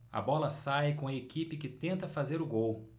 a bola sai com a equipe que tenta fazer o gol